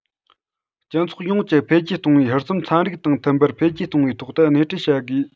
སྤྱི ཚོགས ཡོངས ཀྱི འཕེལ རྒྱས གཏོང བའི ཧུར སེམས ཚན རིག དང མཐུན པར འཕེལ རྒྱས གཏོང བའི ཐོག ཏུ སྣེ ཁྲིད བྱ དགོས